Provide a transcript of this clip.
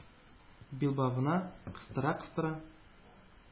Билбавына кыстыра-кыстыра,